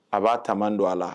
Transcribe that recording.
A b'a taama don a la